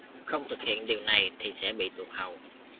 không thực hiện đều này thì sẽ bị tụt hậu